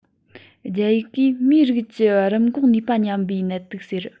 རྒྱ ཡིག གིས མིའི རིགས ཀྱི རིམས འགོག ནུས པ ཉམས པའི ནད དུག ཟེར